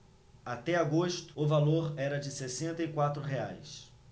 até agosto o valor era de sessenta e quatro reais